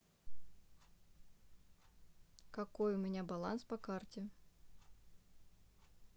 какой у меня баланс по карте